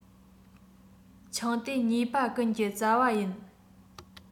ཆང དེ ཉེས པ ཀུན གྱི རྩ བ ཡིན